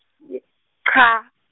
y- cha.